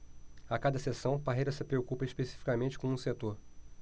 a cada sessão parreira se preocupa especificamente com um setor